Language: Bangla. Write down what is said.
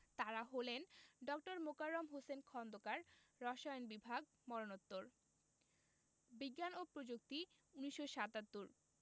তাঁরা হলেন ড. মোকাররম হোসেন খন্দকার রসায়ন বিভাগ মরণোত্তর বিজ্ঞান ও প্রযুক্তি ১৯৭৭